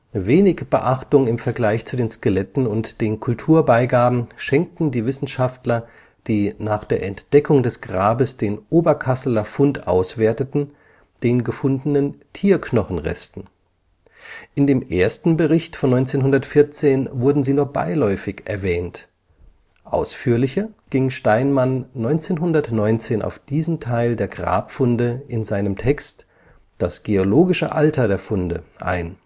Wenig Beachtung im Vergleich zu den Skeletten und den Kulturbeigaben schenkten die Wissenschaftler, die nach der Entdeckung des Grabes den Oberkasseler Fund auswerteten, den gefundenen Tierknochenresten. In dem ersten Bericht von 1914 wurden sie nur beiläufig erwähnt, ausführlicher ging Steinmann 1919 auf diesen Teil der Grabfunde in seinem Text „ Das geologische Alter der Funde “ein